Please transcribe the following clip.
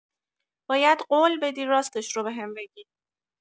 باید قول بدی راستش رو بهم بگی.